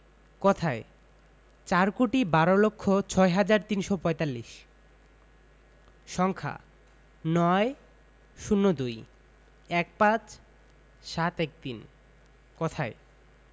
কথায়ঃ চার কোটি বার লক্ষ ছয় হাজার তিনশো পঁয়তাল্লিশ সংখ্যাঃ ৯ ০২ ১৫ ৭১৩ কথায়ঃ